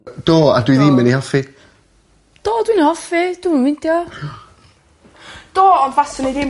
Do a dwi ddim yn 'i 'offi. Do dwi'n hoffi dwi'm yn meindio. Do ond faswn i ddim...